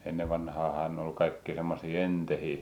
ennen vanhaanhan oli kaikkia semmoisia enteitä